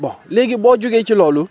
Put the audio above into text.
bon léegi boo jugee ci loolu